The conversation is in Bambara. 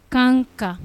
Kan ka